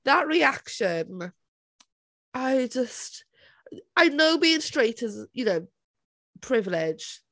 That reaction I just... I know being straight is, you know, privilege...